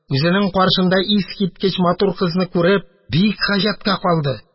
Үзенең каршында искиткеч матур кызны күреп, бик гаҗәпкә калды